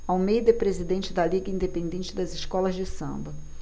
almeida é presidente da liga independente das escolas de samba